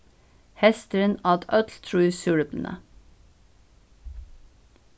hesturin át øll trý súreplini